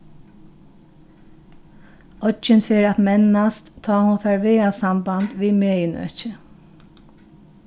oyggin fer at mennast tá hon fær vegasamband við meginøkið